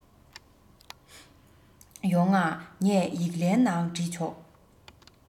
ཡོང ང ངས ཡིག ལན ནང བྲིས ཆོག